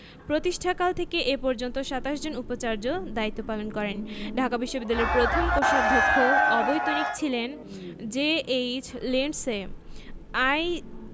প্রতিষ্ঠাকাল থেকে এ পর্যন্ত ২৭ জন উপাচার্য দায়িত্ব পালন করেন ঢাকা বিশ্ববিদ্যালয়ের প্রথম কোষাধ্যক্ষ অবৈতনিক ছিলেন জে.এইচ লিন্ডসে আই